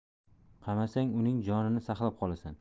qamasang uning jonini saqlab qolasan